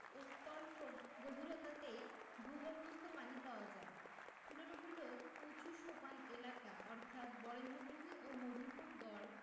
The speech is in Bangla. অত্যল্প গভীরতাতেই ভূগর্ভস্থ পানি পাওয়া যায় তুলনামূলক উঁচু সোপান এলাকা অর্থাৎ বরেন্দ্রভূমি ও মধুপুরগড়